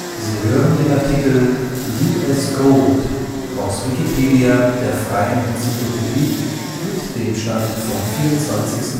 Sie hören den Artikel U.S. Gold, aus Wikipedia, der freien Enzyklopädie. Mit dem Stand vom Der